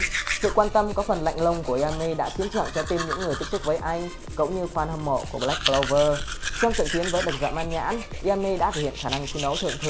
sự quan tâm có phần lạnh lùng của yami đã chiếm trọn trái tim những người tiếp xúc với anh cũng như fan hâm mộ của black clover trong trận chiến với bạch da ma nhãn yami đã thể hiện khả năng chiến đấu thượng thừa